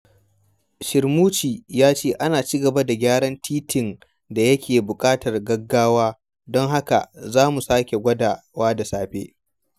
Cermuschi ya ce, ''Ana ci gaba da gyaran titin da yake da buƙatar gaggawa, don haka za mu sake gwadawa da safe''.